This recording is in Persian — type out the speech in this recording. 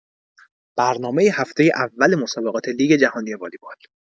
برنامه هفته اول مسابقات لیگ جهانی والیبال